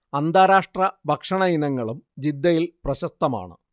അന്താരാഷ്ട്ര ഭക്ഷണ ഇനങ്ങളും ജിദ്ദയിൽ പ്രശസ്തമാണ്